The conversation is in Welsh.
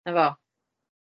'Na fo.